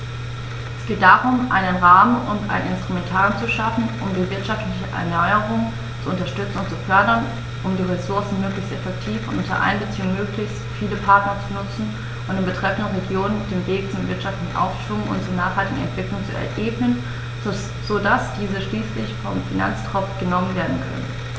Es geht darum, einen Rahmen und ein Instrumentarium zu schaffen, um die wirtschaftliche Erneuerung zu unterstützen und zu fördern, um die Ressourcen möglichst effektiv und unter Einbeziehung möglichst vieler Partner zu nutzen und den betreffenden Regionen den Weg zum wirtschaftlichen Aufschwung und zur nachhaltigen Entwicklung zu ebnen, so dass diese schließlich vom Finanztropf genommen werden können.